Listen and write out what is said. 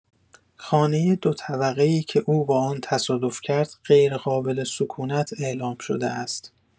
خانه دو طبقه‌ای که او با آن تصادف کرد «غیرقابل سکونت» اعلام شده است.